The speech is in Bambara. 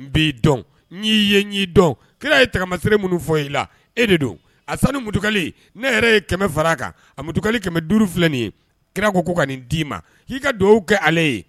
N b'i dɔn yei dɔn kira ye tagamasire minnu fɔ i la e de don a sanu mutuka ne yɛrɛ ye kɛmɛ fara kan a mutukali kɛmɛ duuru filɛ ye kira ko ka d'i ma'i ka dugawu kɛ ale ye